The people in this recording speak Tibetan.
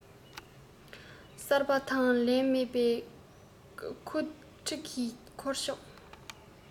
གསར པ དང ལེན མེད པའི ཁུ འཁྲིགས ཀྱི ཁེར ཕྱོགས